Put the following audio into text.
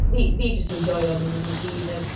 Fi fi jyst yn joio mynd yn y dydd a...